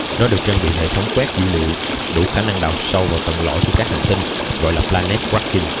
nó được trang bị hệ thống quét dữ liệu đủ khả năng đào sâu vào tận lõi của các hành tinh gọi là planet cracking